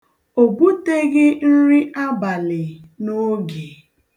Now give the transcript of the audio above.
O buteghị nri abalị n'oge.